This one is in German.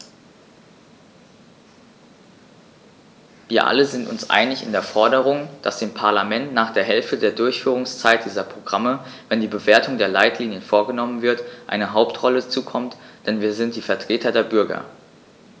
Wir alle sind uns einig in der Forderung, dass dem Parlament nach der Hälfte der Durchführungszeit dieser Programme, wenn die Bewertung der Leitlinien vorgenommen wird, eine Hauptrolle zukommt, denn wir sind die Vertreter der Bürger.